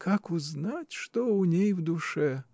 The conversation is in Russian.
— Как узнать, что у ней в душе?